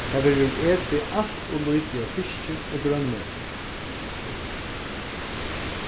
tað verður etið alt ov lítið av fiski og grønmeti